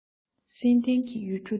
བསིལ ལྡན གྱི ཡུལ གྲུ འདིར